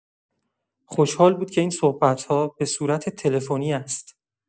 خوشحال بود که این صحبت‌ها به‌صورت تلفنی است.